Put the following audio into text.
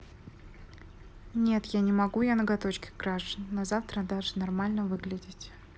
нет я не могу я ноготочки краш на завтра даже нормально выглядеть